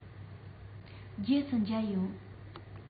རྗེས སུ མཇལ ཡོང